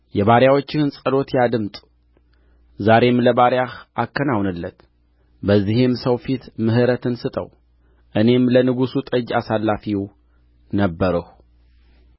የባሪያዎችህን ጸሎት ያድምጥ ዛሬም ለባሪያህ አከናውንለት በዚህም ሰው ፊት ምሕረትን ስጠው እኔም ለንጉሡ ጠጅ አሳላፊው ነበርሁ